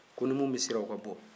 ko ni min bɛ siran o ka bɔ